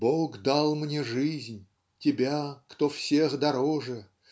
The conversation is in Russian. Бог дал мне жизнь, тебя, кто всех дороже